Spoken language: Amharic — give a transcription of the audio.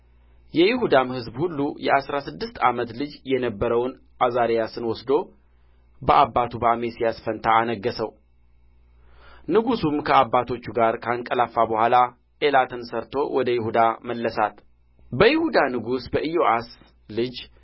የይሁዳም ሕዝብ ሁሉ የአሥራ ስድስት ዓመት ልጅ የነበረውን ዓዛርያስን ወስዶ በአባቱ በአሜስያስ ፋንታ አነገሠው ንጉሡም ከአባቶቹ ጋር ካንቀላፋ በኋላ ኤላትን ሠርቶ ወደ ይሁዳ መለሳት በይሁዳ ንጉሥ በኢዮአስ ልጅ